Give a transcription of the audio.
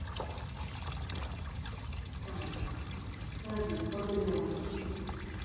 садик садик бобренок